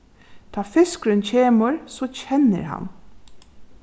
tá fiskurin kemur so kennir hann